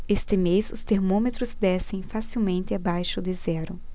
este mês os termômetros descem facilmente abaixo de zero